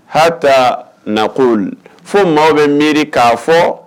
Hata nakɔ fo maaw bɛ miiri k'a fɔ